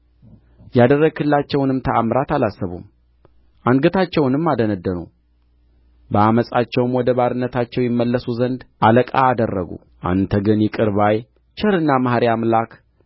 ያደረግህላቸውንም ተአምራት አላሰቡም አንገታቸውንም አደንደኑ በዓመፃቸውም ወደ ባርነታቸው ይመለሱ ዘንድ አለቃ አደረጉ አንተ ግን ይቅር ባይ ቸርና መሐሪ አምላክ